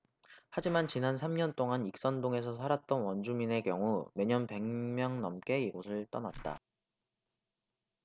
하지만 지난 삼 년동안 익선동에서 살았던 원주민의 경우 매년 백 명 넘게 이곳을 떠났다